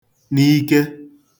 n'ike